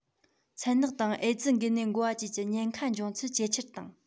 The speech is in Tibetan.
མཚན ནག དང ཨེ ཙི འགོས ནད འགོ བ བཅས ཀྱི ཉེན ཁ འབྱུང ཚད ཇེ ཆེར བཏང